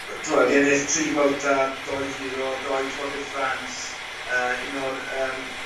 Ma' t'wod 'di ennill tri Vuelta doi Giro a doi Tour de France yy un o'r yym